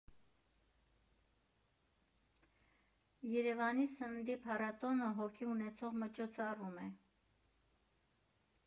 Երևանի սննդի փառատոնը հոգի ունեցող միջոցառում է։